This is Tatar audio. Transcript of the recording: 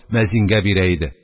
Мөәззингә бирә иде